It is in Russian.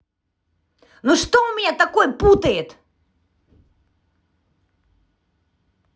ну что у меня такой путает